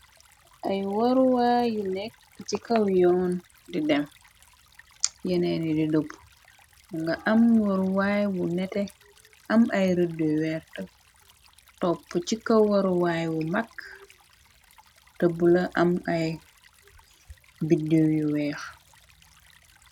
ay waruwaay yu nekk ci kaw yoon di dem yenéeni di dopp mnga am ngaruwaay bu nete am ay rëddu wert topp ci kaw waruwaay bu mag te bula am ay biddi yu weex.